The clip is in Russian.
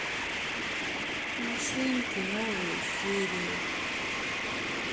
машинки новые серии